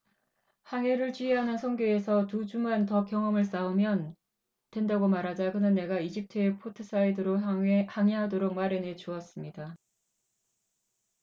항해를 지휘하는 선교에서 두 주만 더 경험을 쌓으면 된다고 말하자 그는 내가 이집트의 포트사이드로 항해하도록 마련해 주었습니다